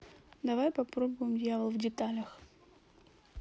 давай попробуем дьявол в деталях